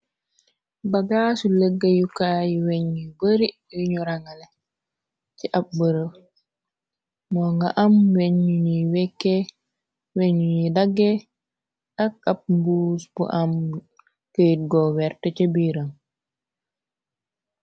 ba gaasu lëgge yukaay weñ yuy bari yuñu rangale ci ab bërëf moo nga am weñ ñuñuy wekkee weñ ñuñuy dagge ak ab mbuus bu am këyt go wert ca biiram